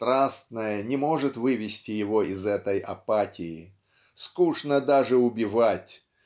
страстное не может вывести его из этой апатии. Скучно даже убивать